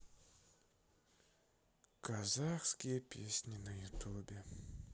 казахские песни на ютюбе